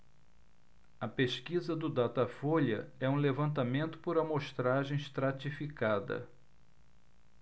a pesquisa do datafolha é um levantamento por amostragem estratificada